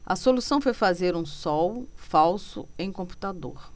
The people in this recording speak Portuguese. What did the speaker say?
a solução foi fazer um sol falso em computador